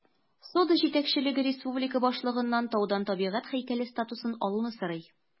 Сода җитәкчелеге республика башлыгыннан таудан табигать һәйкәле статусын алуны сорый.